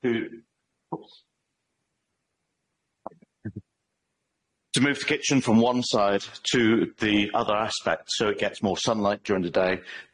To move the kitchen from one side to the other aspect, so it gets more sunlight during the day,